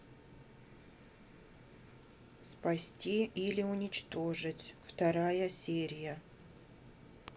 спасти или уничтожить вторая серия